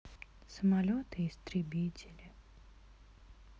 самолеты истребители